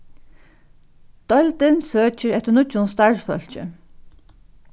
deildin søkir eftir nýggjum starvsfólki